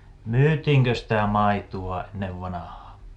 myytiinkö sitä maitoa ennen vanhaan